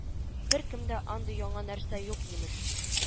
Беркемдә дә андый яңа нәрсә юк имеш